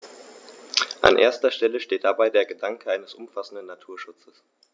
An erster Stelle steht dabei der Gedanke eines umfassenden Naturschutzes.